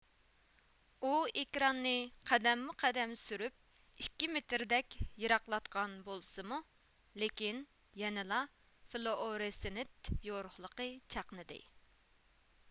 ئۇ ئېكراننى قەدەممۇ قەدەم سۈرۈپ ئىككى مىتىردەك يىراقلاتقان بولسىمۇ لېكىن يەنىلا فلۇئورېسىسېنت يورۇقلۇقى چاقنىدى